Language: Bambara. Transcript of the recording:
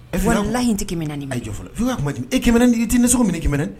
E fɔra tɛ ka kuma e kɛmɛ n tɛ ni nisɔn minɛ kɛmɛ